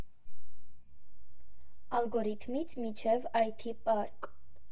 «Ալգորիթմից» մինչև «Այ Թի Պարկ»